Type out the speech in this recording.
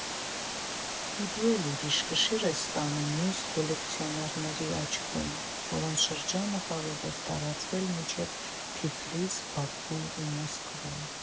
Ու դու էլ ուրիշ կշիռ ես ստանում մյուս կոլեկցիոներների աչքում, որոնց շրջանը կարող էր տարածվել մինչև Թիֆլիս, Բաքու ու Մոսկվա։